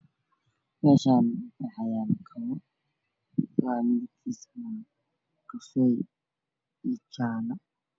Meeshaan waxaa yaalo kabo oo ah kafay iyo jaale.